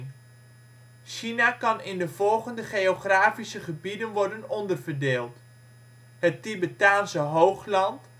China kan in de volgende geografische gebieden worden onderverdeeld: het Tibetaans Hoogland